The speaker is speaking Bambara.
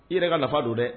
I yɛrɛ ka nafa don dɛ